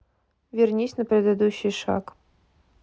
вернись на предыдущий шаг